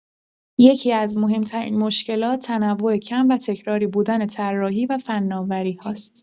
یکی‌از مهم‌ترین مشکلات، تنوع کم و تکراری بودن طراحی و فناوری‌هاست.